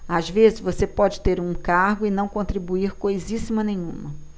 às vezes você pode ter um cargo e não contribuir coisíssima nenhuma